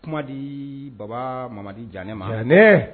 Kuma di baba mamadi jan ne ma ne